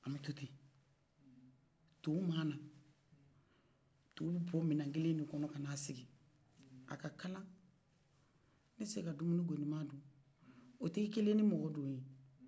an bɛ to ten to mana to bɛ bɔ minɛ kelen min kɔnɔ kan'a sigi a ka kalan ne tɛ se ka dun muni gɔnima dun o t'ɛ kelen ni mɔgɔ don ye